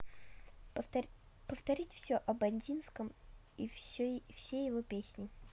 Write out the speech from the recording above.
повторить все ободзинском и все его песни